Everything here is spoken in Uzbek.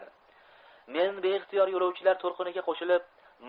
men beixtiyor yolovchilar to'lqiniga qo'shilib